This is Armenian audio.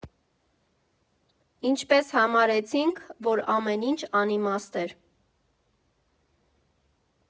Ինչպես համարեցինք, որ ամեն ինչ անիմաստ էր…